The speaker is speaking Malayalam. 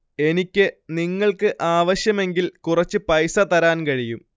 എനിക്ക് നിങ്ങള്‍ക്ക് ആവശ്യമെങ്കില്‍ കുറച്ചു പൈസ തരാന്‍ കഴിയും